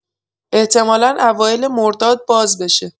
احتمالا اوایل مرداد باز بشه